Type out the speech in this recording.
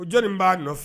U jɔnni b'a nɔfɛ